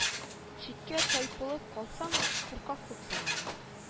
Читкә тайпылып калсаң куркаклык санала